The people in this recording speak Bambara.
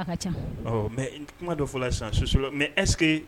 Mɛ kuma dɔ fɔlɔ sisan sososo mɛ ɛsseke